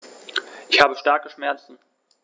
Ich habe starke Schmerzen.